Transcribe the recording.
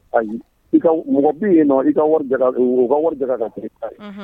Ayi mɔgɔ be yen nɔn o ka wari jaka ka ca ni ta ye.